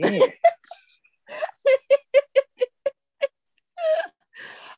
.